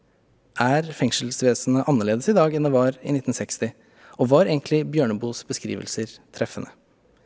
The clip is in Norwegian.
er fengselsvesenet annerledes i dag enn det var i 1960 og var egentlig Bjørneboes beskrivelser treffende?